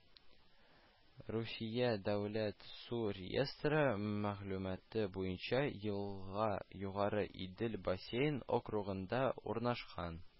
Русия дәүләт су реестры мәгълүматы буенча елга Югары Идел бассейн округында урнашкан